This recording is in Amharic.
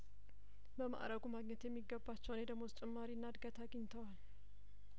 በማእረጉ ማግኘት የሚገባቸውን የደሞዝ ጭማሪ እና እድገት አግኝተዋል